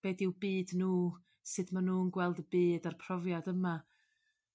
Be' 'dyw byd nw? Sud ma' nw'n gweld y byd a'r profiad yma?